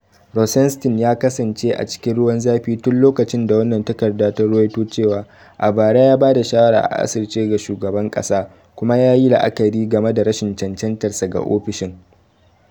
Rosenstein ya kasance a cikin ruwan zafi tun lokacin da wannan takarda ta ruwaito cewa, a bara, ya bada shawara a asirce ga shugaban kasa kuma ya yi la'akari game da rashin cancantar sa ga ofishin.